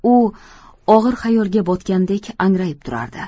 u og'ir xayolga botgandek angrayib turardi